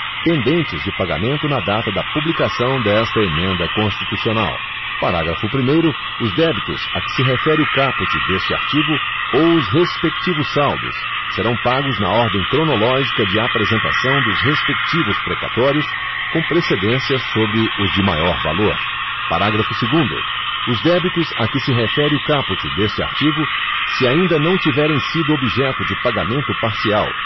pendentes de pagamento na data da publicação desta emenda constitucional parágrafo primeiro os débitos a que se refere o caput deste artigo ou os respectivos saldos serão pagos na ordem cronológica de apresentação dos respectivos precatórios com precedência sobre os de maior valor parágrafo segundo os débitos a que se refere o caput deste artigo se ainda não tiverem sido objeto de pagamento parcial